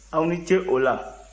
aw ni ce o la